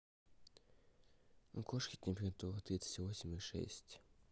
у кошки температура тридцать восемь и шесть